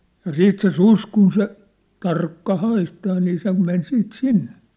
ja sitten se susi kun se tarkka haistaa niin se meni sitten sinne